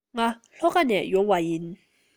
ང ལྷོ ཁ ནས ཡོང པ ཡིན